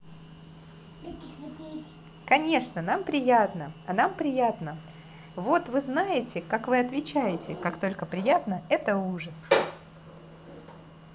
конечно нам приятно а нам приятно вот вы знаете как вы отвечаете как только приятно это ужас